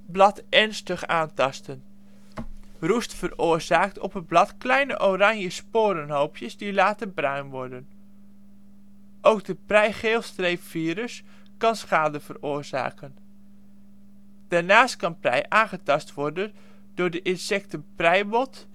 blad ernstig aantasten. Roest veroorzaakt op het blad kleine oranje sporehoopjes die later bruin worden. Ook het preigeelstreepvirus kan schade veroorzaken. Daarnaast kan prei aangetast worden door de insecten preimot